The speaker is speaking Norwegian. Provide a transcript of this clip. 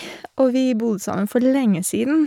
Og vi bodde sammen for lenge siden.